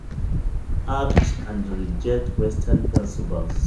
Act and reject Western festivals.